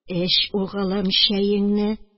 Эч, угылым, чәеңне